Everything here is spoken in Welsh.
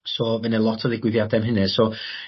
So m;e 'ne lot o ddigwyddiade am hynny so